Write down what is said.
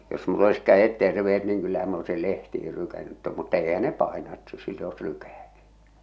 jos minulla olisi kädet terveet niin kyllähän minä olisin lehtiin lykännyt tuon mutta eihän ne paina että siitä olisi lykätä